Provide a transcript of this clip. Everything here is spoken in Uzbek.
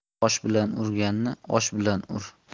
tosh bilan urganni osh bilan ur